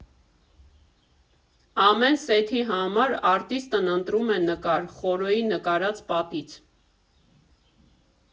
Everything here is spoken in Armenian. Ամեն սեթի համար արտիստն ընտրում է նկար Խորոյի նկարած պատից։